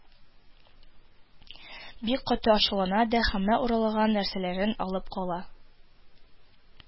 Бик каты ачулана да һәммә урлаган нәрсәләрен алып кала